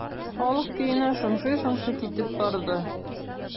Халык көенә шыңшый-шыңшый китеп барды.